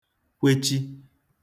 kwechi